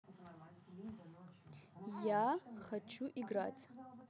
я хочу играть